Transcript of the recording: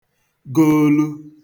goolụ